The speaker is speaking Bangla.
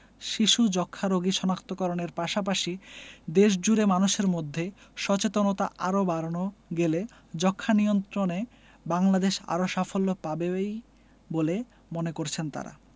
শিশু যক্ষ্ণারোগী শনাক্ত করণের পাশাপাশি দেশজুড়ে মানুষের মধ্যে সচেতনতা আরও বাড়ানো গেলে যক্ষ্মানিয়ন্ত্রণে বাংলাদেশ আরও সাফল্য পাবেই বলে মনে করছেন তারা